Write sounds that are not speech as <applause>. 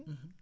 <hesitation> <hesitation>